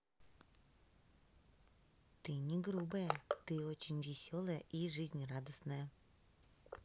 ты не грубая ты очень веселая и жизнерадостная